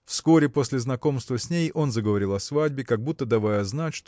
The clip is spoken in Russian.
Вскоре после знакомства с ней он заговорил о свадьбе как будто давая знать